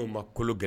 O ma kolo gɛ